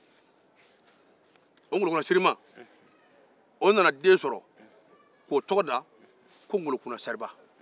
o ŋolokunna sirima nana den sɔrɔ k'o tɔgɔ da ko ŋolokunna seriba